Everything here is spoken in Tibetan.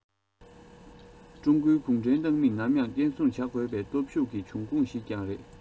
ཀྲུང གོའི གུང ཁྲན ཏང མིས ནམ ཡང བརྟན སྲུང བྱ དགོས པའི སྟོབས ཤུགས ཀྱི འབྱུང ཁུངས ཤིག ཀྱང རེད